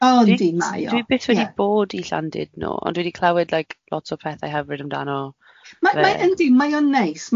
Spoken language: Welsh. Oh yndi mae o. Dwi byth wedi bod i Llandudno, ond dwi wedi clywed like lot o pethau hyfryd amdano fe. Ma' ma' yndi, mae o'n neis.